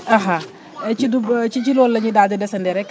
ci dugg ci loolu la ñuy daal di desandi rek